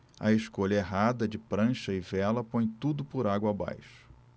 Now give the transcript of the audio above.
a escolha errada de prancha e vela põe tudo por água abaixo